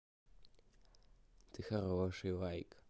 ты хороший лайк